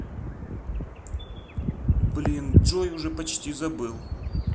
блин джой уже почти забыл